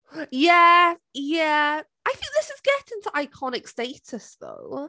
Ie, ie! I think this is getting to iconic status though.